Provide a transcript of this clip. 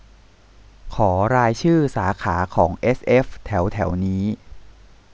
ขอรายชื่อสาขาของเอสเอฟแถวแถวนี้